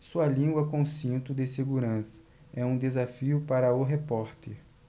sua língua com cinto de segurança é um desafio para o repórter